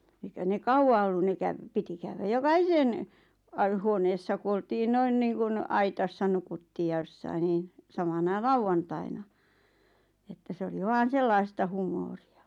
eikä ne kauaa ollut ne - piti käydä jokaisen - huoneessa kun oltiin noin niin kuin aitassa nukuttiin ja jossakin niin samana lauantaina että se oli vain sellaista huumoria